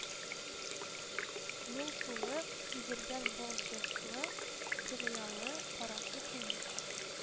Мул сулы, изелгән балчыклы, колеялы, карасу-көмеш